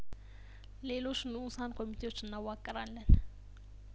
ሌሎች ንኡሳን ኮሚቴዎች እናዋቅራለን